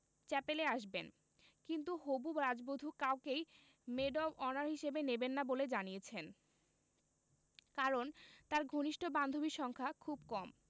চ্যাপেলে আসবেন কিন্তু হবু রাজবধূ কাউকেই মেড অব অনার হিসেবে নেবেন না বলে জানিয়েছেন কারণ তাঁর ঘনিষ্ঠ বান্ধবীর সংখ্যা খুব কম